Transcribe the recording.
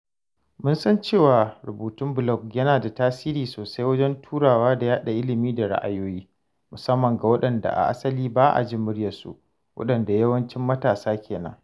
Mun san cewa rubutun blog yana da tasiri sosai wajen turawa da yaɗa ilimi da ra’ayoyi, musamman ga waɗanda a asali ba a jin “muryarsu”—waɗanda yawanci matasa kenan.